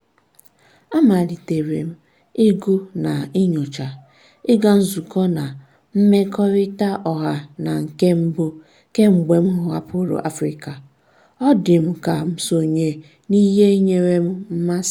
Amalitere m ịgụ na inyocha, ịga nzukọ na mmekọrịta ọha na nke mbụ kemgbe m hapụrụ Afrịka, ọ dị m ka m sonye n'ihe nyere m mmasị.